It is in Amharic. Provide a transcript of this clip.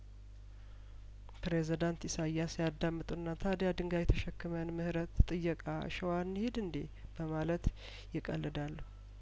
ፕሬዚዳንት ኢሳይያስ ያዳምጡና ታዲያ ድንጋይ ተሸክመን ምህረት ጥየቃ ሸዋ እንሂድ እንዴ በማለት ይቀልዳሉ